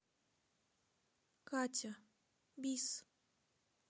катя бис